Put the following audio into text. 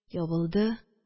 Ябылды